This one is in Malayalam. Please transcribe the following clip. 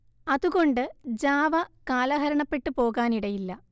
അതുകൊണ്ട് ജാവ കാലഹരണപ്പെട്ട് പോകാനിടയില്ല